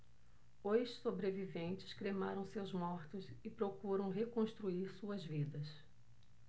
os sobreviventes cremaram seus mortos e procuram reconstruir suas vidas